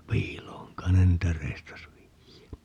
piiloon kai ne niitä reistasi viedä